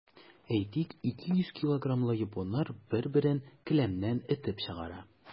Әйтик, 200 килограммлы японнар бер-берен келәмнән этеп чыгара.